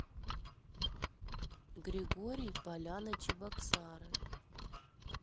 григорий поляны чебоксары